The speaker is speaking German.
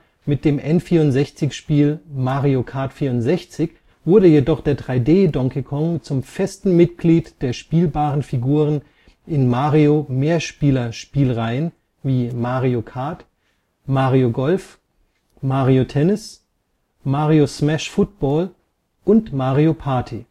mit dem N64-Spiel Mario Kart 64 wurde jedoch der 3D-Donkey Kong zum festen Mitglied der spielbaren Figuren in Mario-Mehrspielerspielreihen wie Mario Kart, Mario Golf, Mario Tennis, Mario Smash Football und Mario Party